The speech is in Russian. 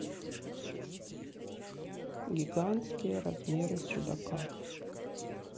гигантские размеры судака